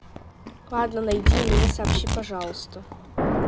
ладно найди и мне сообщи пожалуйста